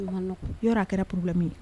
Yɔrɔ kɛra puru la